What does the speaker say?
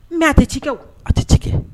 Mais a te ci kɛ o a te ci kɛ